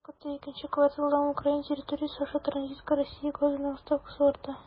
Бер үк вакытта икенче кварталдан Украина территориясе аша транзитка Россия газының ставкасы арта.